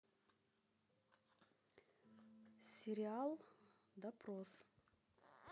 сериал допрос